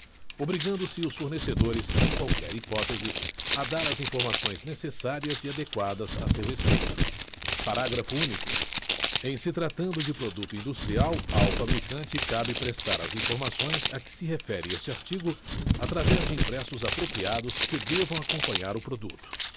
obrigando-se os fornecedores em qualquer hipótese a dar as informações necessárias e adequadas a seu respeito parágrafo único em se tratando de produto industrial ao fabricante cabe prestar as informações a que se refere este artigo através de impressos apropriados que devam acompanhar o produto